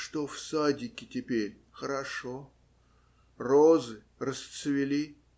- Что, в садике теперь хорошо? Розы расцвели?